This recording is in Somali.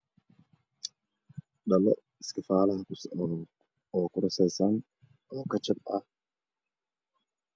Dhalo iskifaalaha ku sawiran oo ku rastysan oo kajab ah